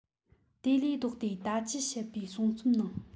དེ ལས ལྡོག སྟེ ད ཅི བཤད པའི གསུང རྩོམ ནང